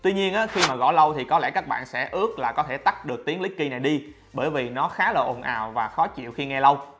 tuy nhiên khi mà gõ lâu thì có lẽ các bạn sẽ ước là có thể tắt được tiếng clicky này đi bỏi vì nó khá là ồn ào và khó chịu khi nghe lâu